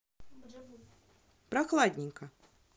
прохладненько